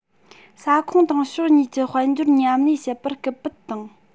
ས ཁོངས དང ཕྱོགས གཉིས ཀྱི དཔལ འབྱོར མཉམ ལས བྱེད པར སྐུལ སྤེལ བཏང